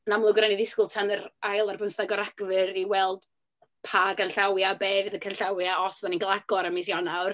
Yn amlwg ma' raid ni ddisgwyl tan yr ail ar bymtheg o Rhagfyr i weld pa ganllawiau, be fydd y canllawiau, os dan ni'n cael agor yn mis Ionawr.